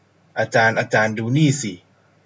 อาจารย์อาจารย์ดูนี่สิ